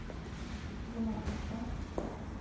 Гөнаһысы